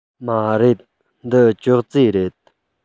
མ རེད འདི ཅོག ཙེ རེད